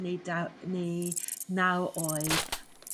neu da- neu naw oed